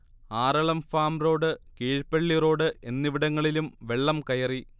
Aralam farm road Keezhpally road എന്നിവിടങ്ങളിലും വെള്ളം കയറി